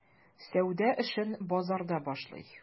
Сәүдә эшен базарда башлый.